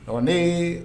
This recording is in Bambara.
Ɔ ne